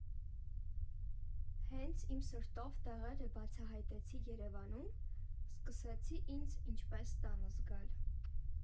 Հենց իմ սրտով տեղերը բացահայտեցի Երևանում, սկսեցի ինձ ինչպես տանը զգալ։